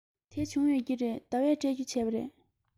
དེ བྱུང ཡོད ཀྱི རེད ཟླ བས སྤྲོད རྒྱུ བྱས པ རེད